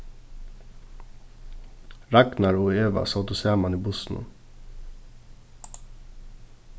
ragnar og eva sótu saman í bussinum